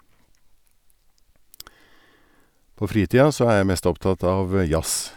På fritida så er jeg mest opptatt av jazz.